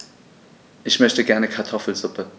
Ich möchte gerne Kartoffelsuppe.